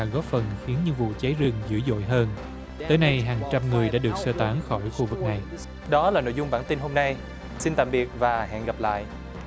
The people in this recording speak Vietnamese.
góp phần khiến như vụ cháy rừng dữ dội hơn tới nay hàng trăm người đã được sơ tán khỏi khu vực này đó là nội dung bản tin hôm nay xin tạm biệt và hẹn gặp lại